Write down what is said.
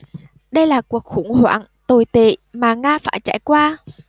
đây là cuộc khủng hoảng tồi tệ mà nga phải trải qua